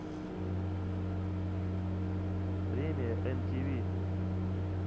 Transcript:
премия mtv